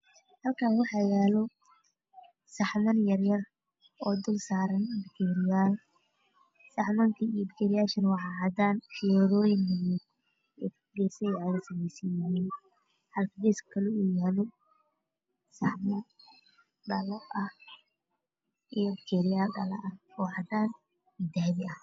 Halkan waxa yalo saxaman yar yar oo dulsaran bakeriyal saxamada iyo bakeriyasha waa cad cadaan fiyoro yal gesaha ugu samesan waxa geska kala oga yaalo bakeriyal dhala ah o cadan iyo dahabi ah